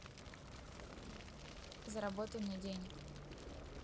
заработай мне денег